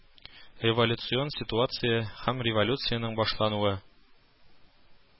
Революцион ситуация һәм революциянең башлануы